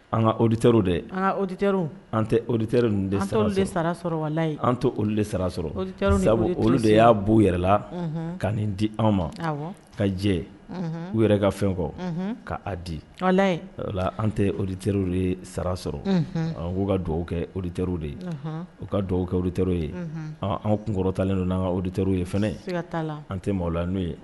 An ka oditr de andir an tɛditer sa sara an tɛ o de sara sɔrɔ olu de y'a b u yɛrɛla ka nin di anw ma ka jɛ u yɛrɛ ka fɛn kɔ kaa di ala an tɛ odi terir ye sara sɔrɔ k'u ka dugawu kɛ o deterw de ye u ka dugawu kɛ or ye an kun kɔrɔtalen don'an ka o deterw ye fana ye ka an tɛ maaw la n'o ye